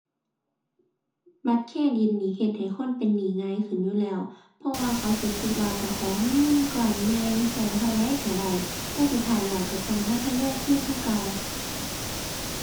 บัตรเครดิตนี่เฮ็ดให้คนเป็นหนี้ง่ายขึ้นอยู่แล้ว เพราะว่าเขาสิคิดว่าเจ้าของมีเงินก่อนใหญ่ ใช้เท่าใดใช้ได้ แต่สุดท้ายแล้วใช้ต้องมาทยอยคืนคือเก่า